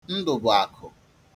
Ndụ̀bụ̀àkù